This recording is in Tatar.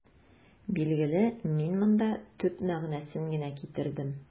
Билгеле, мин монда төп мәгънәсен генә китердем.